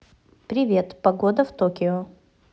привет погода в токио